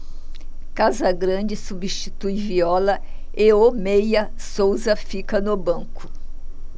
casagrande substitui viola e o meia souza fica no banco